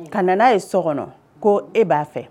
Ka nana n'a ye so kɔnɔ ko e b'a fɛ